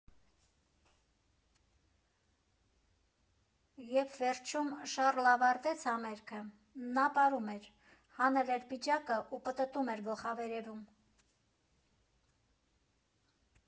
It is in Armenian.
Երբ վերջում Շառլը ավարտեց համերգը, նա պարում էր, հանել էր պիջակը ու պտտում էր գլխավերևում…